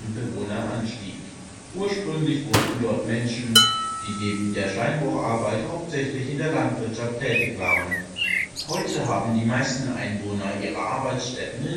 Bewohner anstieg. Ursprünglich wohnten dort Menschen, die neben der Steinbrucharbeit hauptsächlich in der Landwirtschaft tätig waren. Heute haben die meisten Einwohner ihre Arbeitsstätten